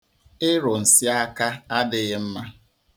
Irụ nsị aka adịghị mma.